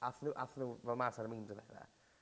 Aethon nhw aethon nhw fel mas ar y memes a pethe.